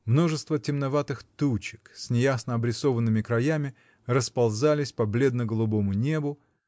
Множество темноватых тучек с неясно обрисованными краями расползались по бледно-голубому небу